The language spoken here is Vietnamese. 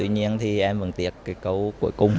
tuy nhiên thì em vẫn tiếc cái câu cuối cùng